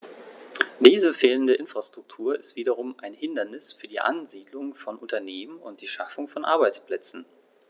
Diese fehlende Infrastruktur ist wiederum ein Hindernis für die Ansiedlung von Unternehmen und die Schaffung von Arbeitsplätzen.